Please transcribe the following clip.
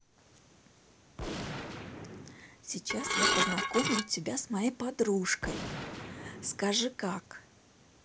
сейчас я познакомлю тебя с моей подружкой скажи как